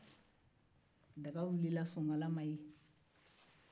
daga wulila sonkala ma ye